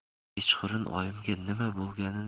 kechqurun oyimga nima